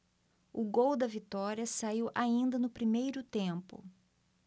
o gol da vitória saiu ainda no primeiro tempo